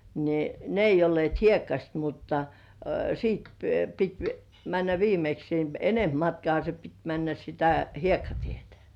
niin ne ei olleet hiekkaiset mutta sitten piti mennä viimeksi niin enempi matkaahan se piti mennä sitä hiekkatietä